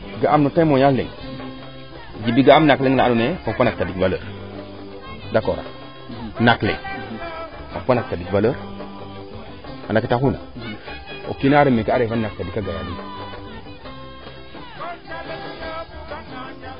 ga'am no temoignage leŋ Djiby ga'a naak leŋ na ando naye a xupa naak tadik valeur d' accord a naak leŋ a xupa naak tadik valeur anda ke taxuuna o kiina waa ref meeke a refanin